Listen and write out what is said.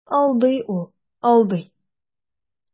Алдый ул, алдый.